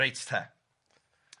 Reit, te.